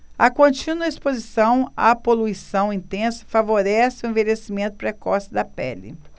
a contínua exposição à poluição intensa favorece o envelhecimento precoce da pele